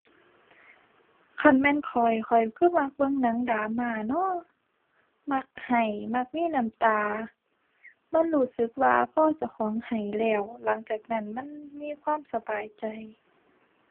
คันแม่นข้อย ข้อยคือมักเบิ่งหนังดราม่าน้อ มักไห้ มักมีน้ำตา มันรู้สึกว่าพอเจ้าของไห้แล้ว หลังจากนั้นมันมีความสบายใจ